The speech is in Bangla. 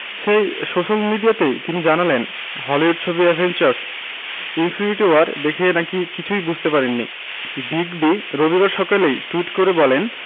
সেই সোশ্যাল মিডিয়াতেই তিনি জানালেন হলিউড ছবি অ্যাভেঞ্জার্স ইনফিনিটি ওয়ার দেখে নাকি কিছুই বুঝতে পারেননি বিগ বি রবিবার সকালেই টুইট করে বলেন